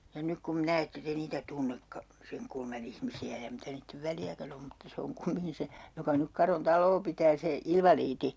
ja nyt kun minä ette te niitä tunnekaan sen kulman ihmisiä ja mitä niiden väliäkään on mutta se on kumminkin se joka nyt Karon taloa pitää se invalidi